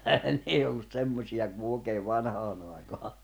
ne ei ollut semmoisia kuin oikein vanhaan aikaan